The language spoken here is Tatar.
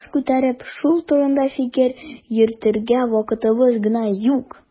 Баш күтәреп шул турыда фикер йөртергә вакытыбыз гына юк.